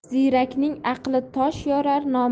ziyrakning aqli tosh yorar